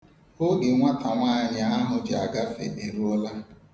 Oge nwatanwaanyị ahụ ji agafe eruola.